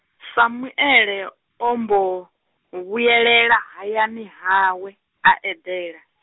Samuele ambo, vhuyelela hayani hawe, a eḓela.